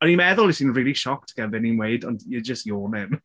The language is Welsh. O'n ni'n meddwl wyt ti'n really shocked gyda be o'n i'n weud ond you're just yawning.